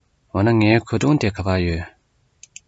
འོ ན ངའི གོས ཐུང དེ ག པར ཡོད